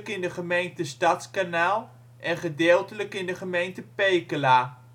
in de gemeente Stadskanaal en gedeeltelijk in de gemeente Pekela